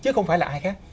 chứ không phải ai khác